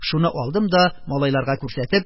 Шуны алдым да, малайларга күрсәтеп: